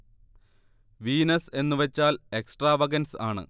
Venus എന്ന് വച്ചാൽ extravagance ആണ്